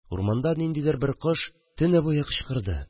Урманда ниндидер бер кош төне буе кычкырды